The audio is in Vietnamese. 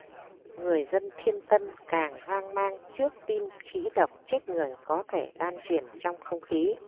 người dân thiên tân càng hoang mang trước tin khí độc chết người có thể lan truyền trong không khí